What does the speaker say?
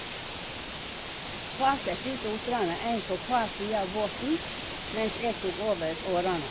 Far satte ut otrene, en på kvar side av båten, mens jeg tok over årene.